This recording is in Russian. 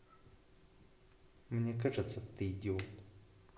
мне кажется ты идиот